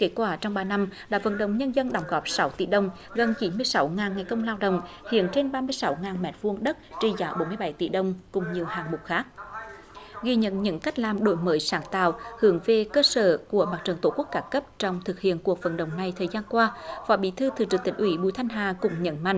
kết quả trong ba năm là vận động nhân dân đóng góp sáu tỷ đồng gần chín mươi sáu ngàn ngày công lao động hiện trên ba mươi sáu ngàn mét vuông đất trị giá bốn mươi bảy tỷ đồng cùng nhiều hạng mục khác ghi nhận những cách làm đổi mới sáng tạo hướng về cơ sở của mặt trận tổ quốc các cấp trong thực hiện cuộc vận động này thời gian qua phó bí thư thường trực tỉnh ủy bùi thanh hà cũng nhấn mạnh